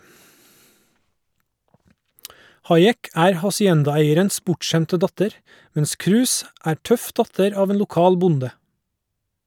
Hayek er haciendaeierens bortskjemte datter, mens Cruz er tøff datter av en lokal bonde.